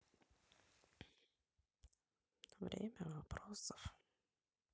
время вопросов